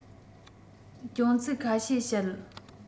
སྐྱོན ཚིག ཁ ཤས བཤད